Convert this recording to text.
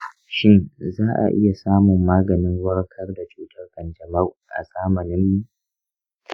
shin za a iya samun maganin warkar da cutar kanjamau a zamaninmu?